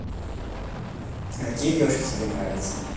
а какие тебе девушки нравятся